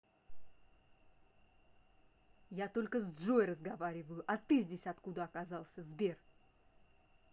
я только с джой разговариваю а ты здесь откуда оказался сбер